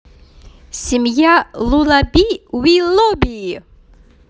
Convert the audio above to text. семья lullaby уиллоби